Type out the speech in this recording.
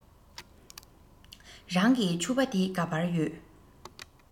རང གི ཕྱུ པ དེ ག པར ཡོད